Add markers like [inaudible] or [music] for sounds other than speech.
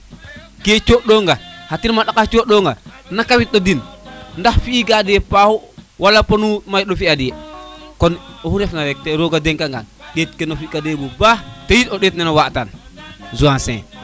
[music] ke coɗo nga xa terem xa daqaxe coɗonga na kawito din ndax fi ida te paaxu wala ponu may ɗo fiya de konn oxu ref na daal roga denka ngaan ɗeet kene fika deen bu baax teyit o ɗeet ne o watan Zancier